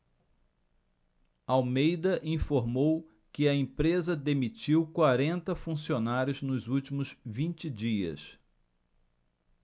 almeida informou que a empresa demitiu quarenta funcionários nos últimos vinte dias